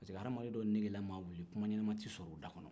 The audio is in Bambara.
parce que hadamaden dɔw negela mana wili kuma ɲɛnama tɛ sɔr'u da kɔnɔ